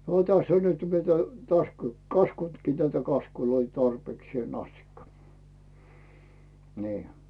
tässä on nyt mitä - kaskunnutkin tätä kaskuja tarpeeksi asti niin